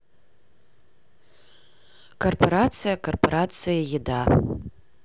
корпорация корпорация еда